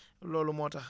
loolu moo tax